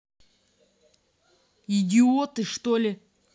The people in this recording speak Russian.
идиоты что ли